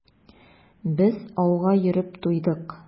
Без ауга йөреп туйдык.